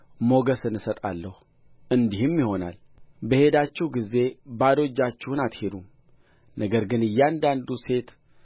ሞገስን እሰጣለሁ እንዲህም ይሆናል በሄዳችሁ ጊዜ ባዶ እጃችሁን አትሄዱም ነገር ግን እያንዳንዲቱ ሴት